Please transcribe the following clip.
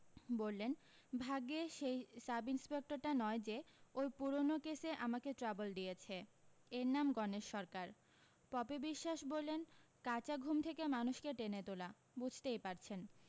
বললেন ভাগ্যে সেই সাবইন্সপেক্টরটা নয় যে ওই পুরোনো কেসে আমাকে ট্রাবল দিয়েছে এর নাম গণেশ সরকার পপি বিশ্বাস বললেন কাঁচা ঘুম থেকে মানুষকে টেনে তোলা বুঝতেই পারছেন